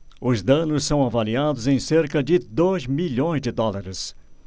os danos são avaliados em cerca de dois milhões de dólares